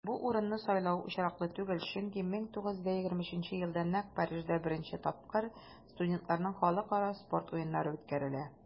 Бу урынны сайлау очраклы түгел, чөнки 1923 елда нәкъ Парижда беренче тапкыр студентларның Халыкара спорт уеннары үткәрелә.